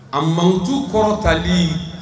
A manjugu kɔrɔtali